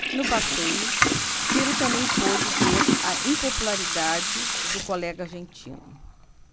no passeio ciro também pôde ver a impopularidade do colega argentino